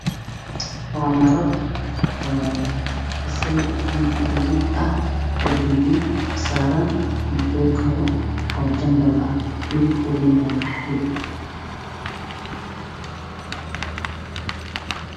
Waa maro basali guduud ah bibiyo saran joog kabo oo jambal ah midabkoodana waa qaxwi